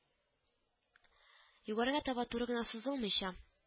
Югарыга таба туры гына сузылмыйча